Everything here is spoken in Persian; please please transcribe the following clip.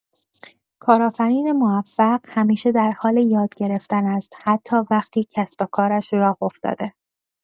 کارآفرین موفق همیشه در حال یاد گرفتن است، حتی وقتی کسب‌وکارش راه افتاده.